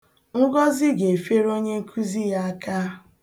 Ngọzi ga-efere onyenkuzi ya aka.